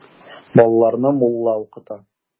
Балаларны мулла укыта.